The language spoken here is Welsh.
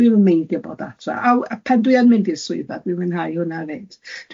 Dwi'm yn meindio bod adra. Aw- a pan dwi yn mynd i'r swyddfa dwi'n mwynhau hwnna hefyd.